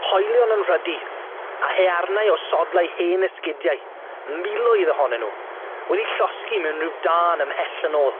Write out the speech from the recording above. Hoelion yn rhydi, a haearnau o sodlau hen esgidiau, miloedd ohonyn nw wedi llosgi mewn ryw dân ymhell yn ôl.